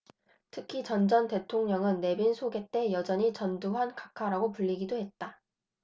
특히 전 전 대통령은 내빈 소개 때 여전히 전두환 각하라고 불리기도 했다